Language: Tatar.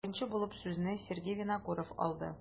Беренче булып сүзне Сергей Винокуров алды.